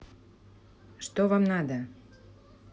что вам надо